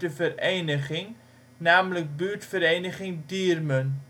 vereniging, namelijk: ' Buurtvereniging Diermen